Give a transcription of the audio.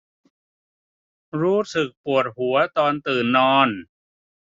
รู้สึกปวดหัวตอนตื่นนอน